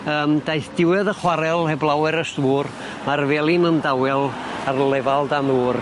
yym daeth diwedd y chwarel heb lawer o stwr ma'r felyn yn dawel ar lefal dan ddŵr.